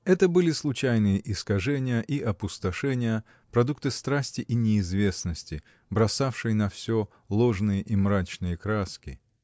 Это были случайные искажения и опустошения, продукты страсти и неизвестности, бросавшей на всё ложные и мрачные краски.